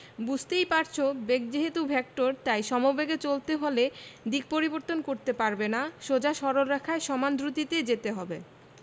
বুঝতেই পারছ বেগ যেহেতু ভেক্টর তাই সমবেগে চলতে হলে দিক পরিবর্তন করতে পারবে না সোজা সরল রেখায় সমান দ্রুতিতে যেতে হবে